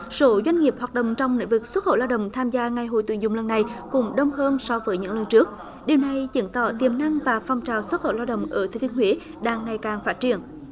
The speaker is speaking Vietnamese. số doanh nghiệp hoạt động trong lĩnh vực xuất khẩu lao động tham gia ngày hội tuyển dụng lần này cũng đông hơn so với những lần trước điều này chứng tỏ tiềm năng và phong trào xuất khẩu lao động ở thừa thiên huế đang ngày càng phát triển